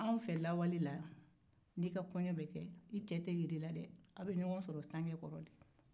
anw fe lawale la n'i ka kɔɲɔ bɛ kɛ i cɛ tɛ jira i la aw bɛ ɲɔgɔn ye sanke kɔrɔ de